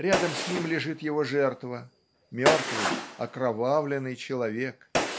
Рядом с ним лежит его жертва - мертвый, окровавленный человек.